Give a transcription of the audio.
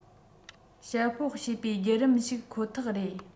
དཔྱད དཔོག བྱེད པའི བརྒྱུད རིམ ཞིག ཁོ ཐག རེད